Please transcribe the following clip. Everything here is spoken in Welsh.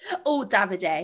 Ww Davide.